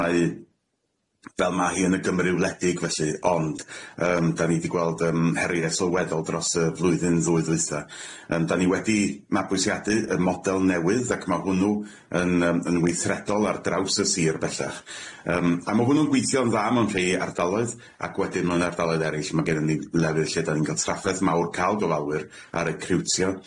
Mae, fel ma' hi yn y Gymru wledig felly, ond yym da ni 'di gweld yym heriau sylweddol dros y flwyddyn ddwy ddwytha yym da ni wedi mabwysiadu y model newydd ac ma' hwnnw yn yym yn weithredol ar draws y sir bellach, yym a ma' hwnnw'n gweithio'n dda mewn rhei ardaloedd ac wedyn mewn ardaloedd eryll ma' gennyn ni lefydd lle da ni'n ga'l trafferth mawr ca'l gofalwyr a recriwtio.